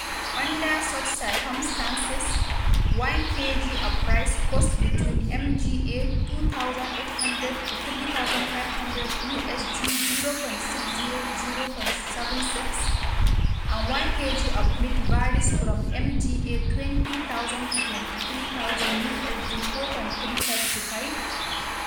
Under such circumstances, 1 kg of rice costs between MGA 2,800 to 3,500 (USD 0.60 to 0.76), and 1 kg of meat varies from MGA 20,000 to 23,000 ( USD 4.35 to 5).